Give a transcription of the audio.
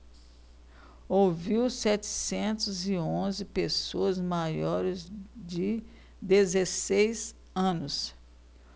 ouviu setecentos e onze pessoas maiores de dezesseis anos